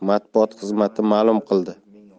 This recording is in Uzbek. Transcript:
matbuot xizmati ma'lum qildi